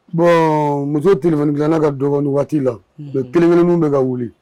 Bɔn muso tile dilanna ka dɔ waati la don kelen minnu bɛ ka wuli